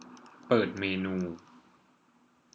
เปิดเมนู